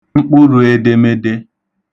mkpụrụēdēmēdē